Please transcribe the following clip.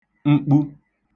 mkpu